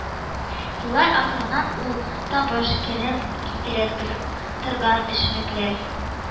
Еллар ахырыннан ул «табыш, керем китерә торган эшмәкләр